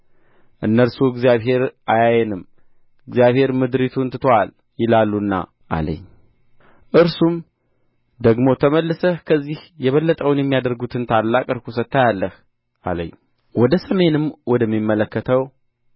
እነርሱ እግዚአብሔር አያየንም እግዚአብሔር ምድሪቱን ትቶአታል ይላሉና አለኝ እርሱም ደግሞ ተመልሰህ ከዚህ የበለጠውን የሚያደርጉትን ታላቅ ርኵሰት ታያለህ አለኝ ወደ ሰሜንም ወደሚመለከተው